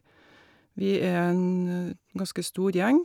Vi er en ganske stor gjeng.